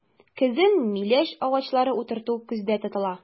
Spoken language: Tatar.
Көзен миләш агачлары утырту күздә тотыла.